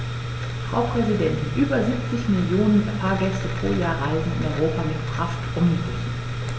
Frau Präsidentin, über 70 Millionen Fahrgäste pro Jahr reisen in Europa mit Kraftomnibussen.